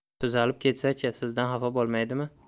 tuzalib ketsa chi sizdan xafa bo'lmaydimi